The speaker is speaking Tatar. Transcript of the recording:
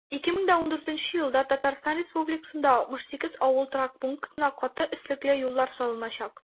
2014 елда татарстан республикасында 68 авыл торак пунктына каты өслекле юллар салыначак.